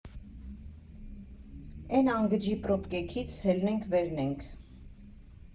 Էն անգջի պռոբկեքից հելնենք վերնենք։